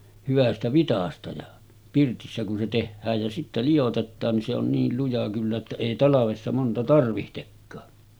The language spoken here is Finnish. hyvästä vitsasta ja pirtissä kun se tehdään ja sitten liotetaan niin se on niin luja kyllä että ei talvessa monta tarvitsekaan